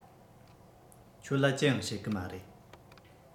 ཁྱོད ལ ཅི ཡང བཤད གི མ རེད